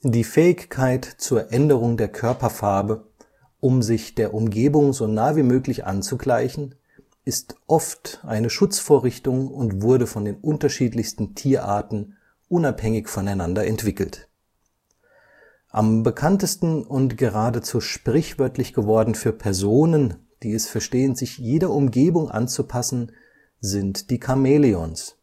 Die Fähigkeit zur Änderung der Körperfarbe, um sich der Umgebung so nah wie möglich anzugleichen, ist oft eine Schutzvorrichtung und wurde von den unterschiedlichsten Tierarten unabhängig voneinander entwickelt. Am bekanntesten und geradezu sprichwörtlich geworden für Personen, die es verstehen, sich jeder Umgebung anzupassen, sind die Chamäleons